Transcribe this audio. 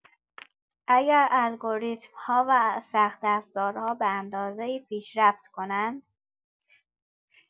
اگر الگوریتم‌ها و سخت‌افزارها به اندازه‌ای پیشرفت کنند.